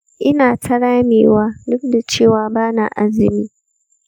ina ta ramewa duk da cewa ba na azumi.